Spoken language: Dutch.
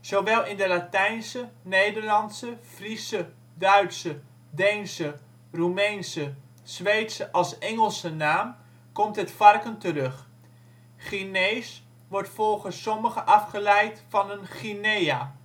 Zowel in de Latijnse, Nederlandse, Friese, Duitse, Deense, Roemeense, Zweedse als Engelse naam komt het varken terug. ' Guinees ' wordt volgens sommigen afgeleid van een guinea